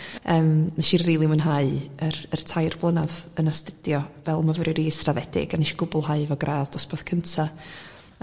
yym neshi rili mwynhau yr... yr tair blynadd yn astudio fel myfyriwr israddedig a neshi gwbwlhau efo gradd dosbarth cynta